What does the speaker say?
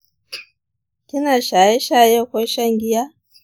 kina shaye shaye ko shan giya?